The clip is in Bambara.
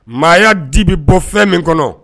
Maa y'a dibi bɔ fɛn min kɔnɔ